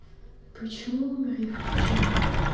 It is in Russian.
почему умер евтушенко